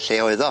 Lle oedd o?